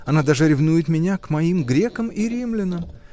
Она даже ревнует меня к моим грекам и римлянам.